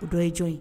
O dɔ ye jɔn ye